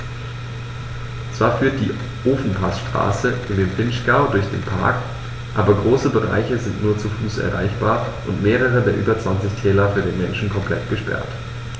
Zwar führt die Ofenpassstraße in den Vinschgau durch den Park, aber große Bereiche sind nur zu Fuß erreichbar und mehrere der über 20 Täler für den Menschen komplett gesperrt.